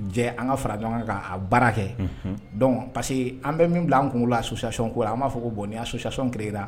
Jɛ an ka fara ɲɔgɔn kan ka baara kɛ dɔn pa que an bɛ min bila an kun la sosoti ko la b'a fɔ bon nya sutiɔn kelene la